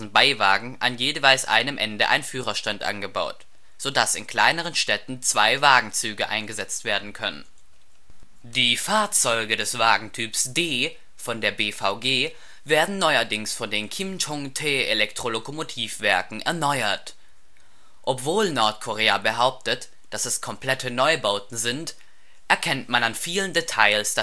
Beiwagen an jeweils einem Ende ein Führerstand angebaut, sodass in kleineren Städten Zwei-Wagen-Züge eingesetzt werden können. Die Fahrzeuge des Wagentyps D von der BVG werden neuerdings von den Kim-Chŏng-tae-Elektrolokomotivwerken erneuert. Obwohl Nordkorea behauptet, dass es komplette Neubauten sind, erkennt man an vielen Details